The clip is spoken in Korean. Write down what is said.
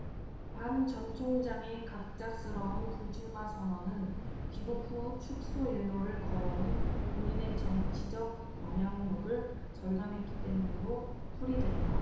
반 전총장의 갑작스러운 불출마선언은 귀국 후 축소일로를 걸어 온 본인의 정치적 영향력을 절감했기 때문으로 풀이된다